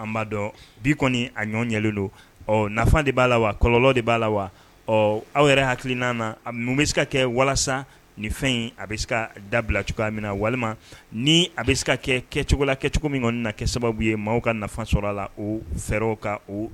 An b'a dɔn bi kɔni a ɲɔgɔn ɲɛli don ɔ nafa de b'a la wa kɔlɔnlɔ de b'a la wa ɔ aw yɛrɛ hakilinan na n bɛ se ka kɛ walasa nin fɛn in a bɛ se ka dabila cogoya min na walima ni a bɛ se ka kɛ kɛcogo la kɛcogo min na kɛ sababu ye maa ka nafa sɔrɔ a la o fɛ o ka o